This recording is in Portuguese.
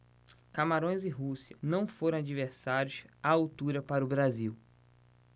camarões e rússia não foram adversários à altura para o brasil